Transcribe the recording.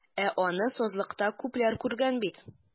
Ә аны сазлыкта күпләр күргән бит.